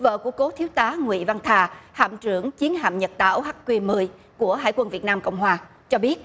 vợ của cố thiếu tá ngụy văn thà hạm trưởng chiến hạm nhật tảo hát quy mới của hải quân việt nam cộng hòa cho biết